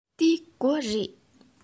འདི སྒོ རེད